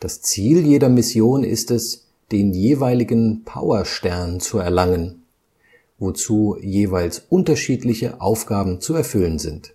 Das Ziel jeder Mission ist es, den jeweiligen Powerstern zu erlangen, wozu jeweils unterschiedliche Aufgaben zu erfüllen sind.